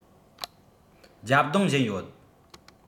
བརྒྱབ རྡུང བཞིན ཡོད